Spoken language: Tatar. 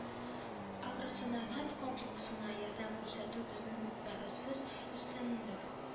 “агросәнәгать комплексына ярдәм күрсәтү – безнең бәхәссез өстенлек”